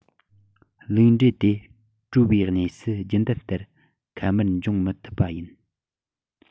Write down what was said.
རླིག འབྲས དེ དྲོ བའི གནས སུ རྒྱུན ལྡན ལྟར ཁམས དཀར འབྱུང མི ཐུབ པ ཡིན